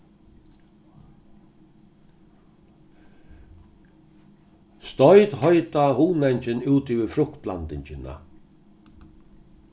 stoyt heita hunangin út yvir fruktblandingina